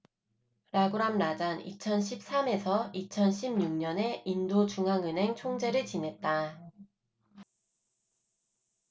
라구람 라잔 이천 십 삼 에서 이천 십 육 년에 인도 중앙은행 총재를 지냈다